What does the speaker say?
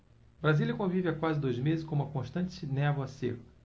brasília convive há quase dois meses com uma constante névoa seca